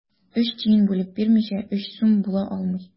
Өч тиен бүлеп бирмичә, өч сум була алмый.